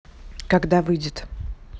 когда выйдет